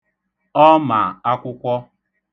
Ọ ma akwụkwọ.